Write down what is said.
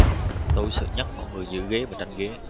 tôi sợ nhất mẫu người giữ ghế và tranh ghế